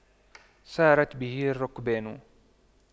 سارت به الرُّكْبانُ